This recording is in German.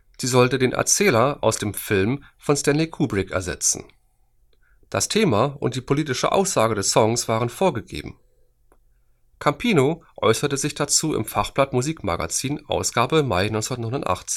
sollte den Erzähler aus dem Film von Stanley Kubrick ersetzen. Das Thema und die politische Aussage des Songs waren vorgegeben. Campino äußerte sich dazu im Fachblatt Musikmagazin, Ausgabe Mai 1989: „ Der